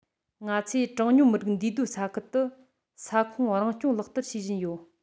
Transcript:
ང ཚོས གྲངས ཉུང མི རིགས འདུས སྡོད ས ཁུལ དུ ས ཁོངས རང སྐྱོང ལག བསྟར བྱེད བཞིན ཡོད